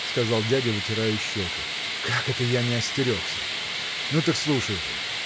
– сказал дядя, вытирая щеку, – как это я не остерегся! Ну, так слушай же.